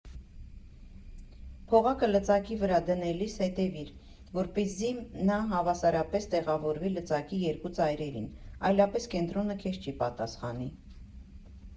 Փողակը լծակի վրա դնելիս հետևի՛ր, որպեսզի նա հավասարապես տեղավորվի լծակի երկու ծայրերին, այլապես կենտրոնը քեզ չի պատասխանի։